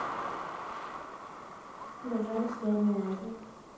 bajan в средней азии